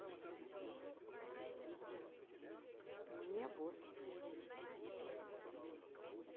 мне вот